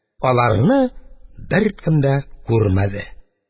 Аларны беркем дә күрмәде.